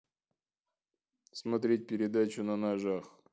смотреть передачу на ножах